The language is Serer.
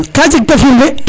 ka jeg ta firnde